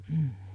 mm